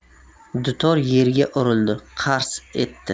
dutor yerga urildi qars etdi